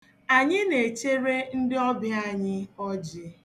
Anyị na-echere ndị ọbia anyị ọjị.